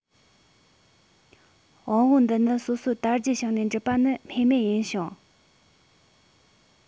དབང པོ འདི ནི སོ སོར དར རྒྱས བྱུང ནས གྲུབ པ ནི སྨོས མེད ཡིན ཞིང